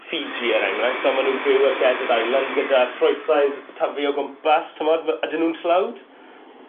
Fiji er enghraifft on' ma' nw'n byw ar desert island gyda'r ffrwythau'n tyfu o gwmpas t'mod fe- ydyn nw'n tlawd?